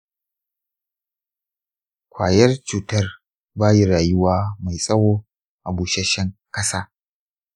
kwayar cutar bayi rayuwa mai tsawo a busheshen kasa.